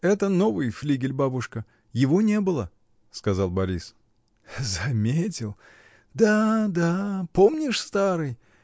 — Это новый флигель, бабушка: его не было, — сказал Борис. — Заметил! Да, да, помнишь старый?